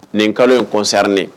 Nin kalo ye kɔnsarie